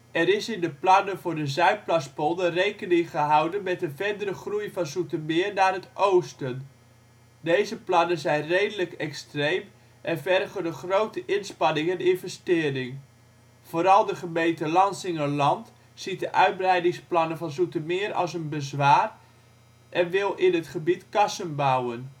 Er is in de plannen voor de Zuidplaspolder rekening gehouden met een verdere groei van Zoetermeer naar het oosten. Deze plannen zijn redelijk extreem en vergen een grote inspanning en investering. Vooral de gemeente Lansingerland ziet de uitbreidingsplannen van Zoetermeer als een bezwaar en wil in het gebied kassen bouwen